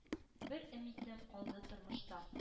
Бер өмитем калды тормышта: